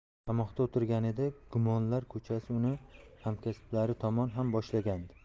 qamoqda o'tirganida gumonlar ko'chasi uni hamkasblari tomon ham boshlagandi